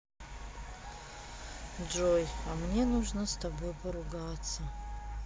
джой а мне можно с тобой поругаться